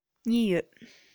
གཉིས ཡོད